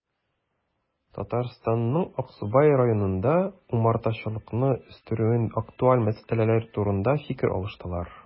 Татарстанның Аксубай районында умартачылыкны үстерүнең актуаль мәсьәләләре турында фикер алыштылар